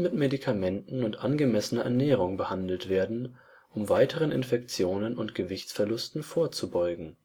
Medikamenten und angemessener Ernährung behandelt werden, um weiteren Infektionen und Gewichtsverlusten vorzubeugen